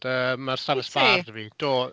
Yym ma' stafell sbar 'da fi... Wyt ti? ...Do.